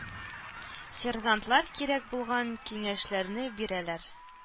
Сержантлар кирәк булган киңәшләрне бирәләр.